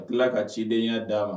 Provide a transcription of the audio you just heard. A tila ka cidenyaya d dia ma